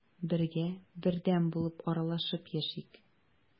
Бергә, бердәм булып аралашып яшик.